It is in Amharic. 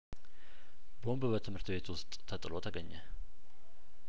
ቦምብ በትምህርት ቤት ውስጥ ተጥሎ ተገኘ